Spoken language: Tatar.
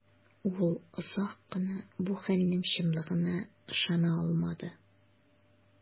Ул озак кына бу хәлнең чынлыгына ышана алмады.